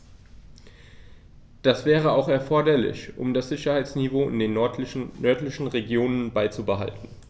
Das wäre auch erforderlich, um das Sicherheitsniveau in den nördlichen Regionen beizubehalten.